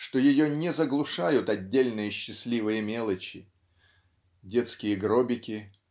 что ее не заглушают отдельные счастливые мелочи (детские гробики